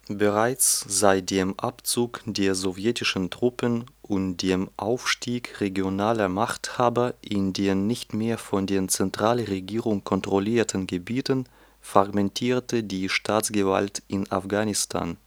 Bereits seit dem Abzug der sowjetischen Truppen und dem Aufstieg regionaler Machthaber in den nicht mehr von der Zentralregierung kontrollierten Gebieten fragmentierte die Staatsgewalt in Afghanistan